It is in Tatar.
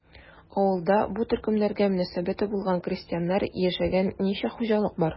Авылда бу төркемнәргә мөнәсәбәте булган крестьяннар яшәгән ничә хуҗалык бар?